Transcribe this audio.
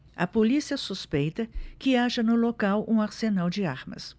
a polícia suspeita que haja no local um arsenal de armas